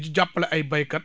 di ci jàppale ay béykat